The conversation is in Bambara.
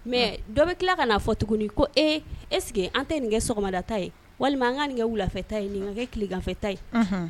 Mais dɔ bɛ tila ka n'a fɔ tuguni ko e est ce que an tɛ nin kɛ sɔgɔmadata ye walima an ka nin kɛ wulafɛta ye nin ka kɛ tileganfɛta ye